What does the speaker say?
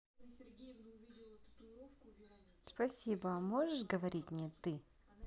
спасибо а можешь говорить мне ты